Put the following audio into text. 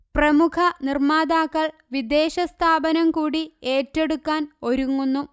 പ്രമുഖ നിർമാതാക്കൾ വിദേശ സ്ഥാപനം കൂടി ഏറ്റെടുക്കാൻ ഒരുങ്ങുന്നു